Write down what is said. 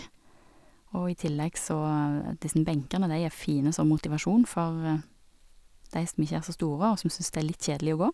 Og i tillegg så, disse benkene de er fine som motivasjon for de som ikke er så store, og som synes det er litt kjedelig å gå.